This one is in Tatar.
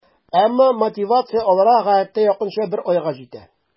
Әмма мотивация аларга гадәттә якынча бер айга җитә.